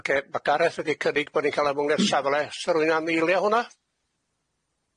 Oce ma' Gareth wedi cynnig bo' ni'n ca'l y amwelia safle sa rwyun am eili hwnna?